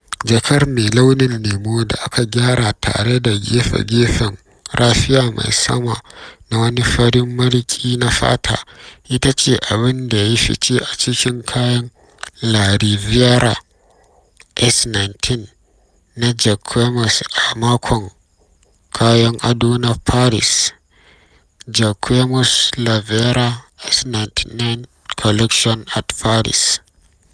Jakar mai launin lemo, da aka gyara tare da gefe-gefen raffia mai sama na wani farin mariki na fata, ita ce abin da ya yi fice a cikin kayan La Riviera SS19 na Jacquemus a Makon Kayon Ado na Paris. Jacquemus' La Riviera SS19 collection at Paris